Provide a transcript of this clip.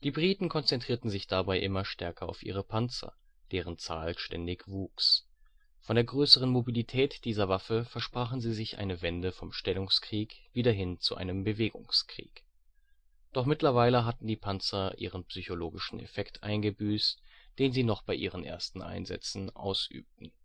Briten konzentrierten sich dabei immer stärker auf ihre Panzer, deren Zahl ständig wuchs. Von der größeren Mobilität dieser Waffe versprachen sie sich eine Wende vom Stellungskrieg wieder hin zu einem Bewegungskrieg. Doch mittlerweile hatten die Panzer ihren psychologischen Effekt eingebüßt, den sie noch bei ihren ersten Einsätzen ausübten